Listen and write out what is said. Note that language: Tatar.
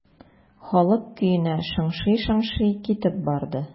Халык көенә шыңшый-шыңшый китеп барды.